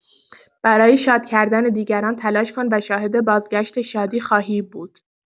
برای شاد کردن دیگران تلاش کن و شاهد بازگشت شادی خواهی بود.